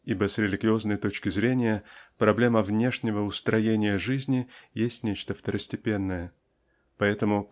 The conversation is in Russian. ибо с религиозной точки зрения проблема внешнего устроения жизни есть нечто второстепенное. Поэтому